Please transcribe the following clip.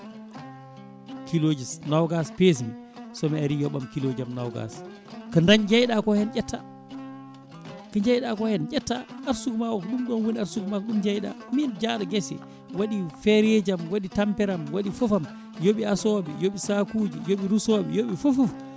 kiloji nogas peesmi somi ari yooɓam kilo jaam nogas ko jeyɗa hen ko ƴetta ko jeyɗa hen ko ƴetta arsugue ma o ko ɗum ɗon woni arsugue ma ko ɗum jeeyɗa min jaaɗo guese waɗi frais jaam waɗi tamperam waɗi foof am yooɓi asoɓe yooɓi sakuji yooɓi rudoɓe yooɓe fofoof